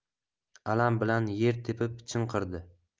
alam bilan yer tepib chinqirdi